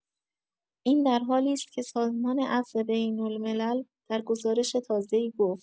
این در حالی است که سازمان عفو بین‌الملل در گزارش تازه‌ای گفت